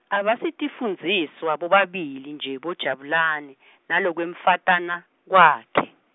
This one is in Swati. Abasitifundziswa bobabili nje, boJabulane , nalokwemfatana, kwakhe.